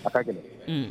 A ka gɛlɛn